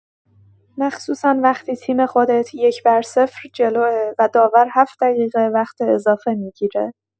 مخصوصا وقتی تیم خودت یک بر صفر جلوئه و داور هفت دقیقه وقت اضافه می‌گیره.